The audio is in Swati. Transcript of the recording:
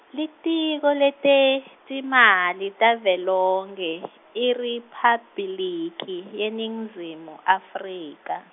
Litiko letetimali tavelonkhe, IRiphabliki yeNingizimu Afrika.